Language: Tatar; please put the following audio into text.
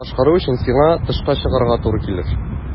Моны башкару өчен сиңа тышка чыгарга туры килер.